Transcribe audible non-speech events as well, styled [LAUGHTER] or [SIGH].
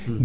[HESITATION] [HESITATION]